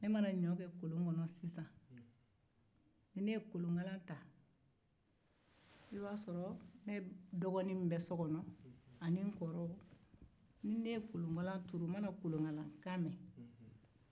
ni ne ye kolonkalan turu ne dɔgɔnin ni n kɔrɔw bɛ kolonkalankan mɛn